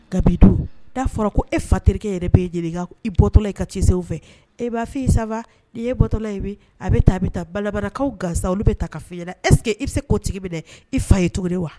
Bi' fɔra ko e fa terikɛ yɛrɛ bɛ jelikɛ i bɔtɔla i ka ci fɛ e b'afinsa ni e bɔtɔla a bɛ taa i bɛ balabaalakaw ganzsa olu bɛ ta fi eseke i bɛ se ko tigi bɛ dɛ i fa ye cogo wa